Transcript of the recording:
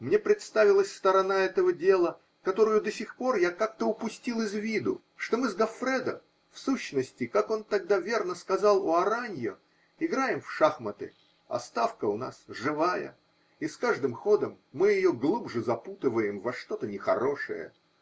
Мне представилась сторона этого дела, которую до сих пор я как-то упустил из виду: что мы с Гоффредо, в сущности, как он тогда верно сказал у Араньо, играем в шахматы, а ставка у нас живая, и каждым ходом мы ее глубже запутываем во что-то нехорошее.